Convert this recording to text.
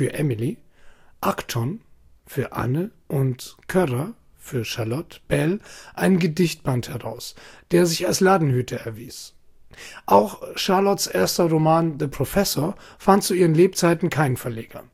Emily), Acton (Anne) und Currer (Charlotte) Bell einen Gedichtband heraus, der sich als Ladenhüter erwies. Auch Charlottes erster Roman The Professor fand zu ihren Lebzeiten keinen Verleger